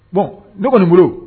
Bon ne kɔni bolo